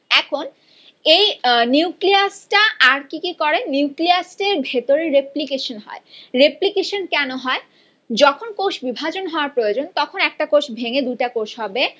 এখন এই নিউক্লিয়াস টা আর কি কি করে নিউক্লিয়াস এর ভেতরে রেপ্লিকেশন হয় রেপ্লিকেশন কেন হয় যখন কোষ বিভাজন হওয়া প্রয়োজন তখন একটা কোষ ভেঙে দুটা কোষ হবে